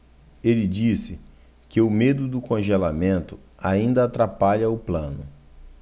ele disse que o medo do congelamento ainda atrapalha o plano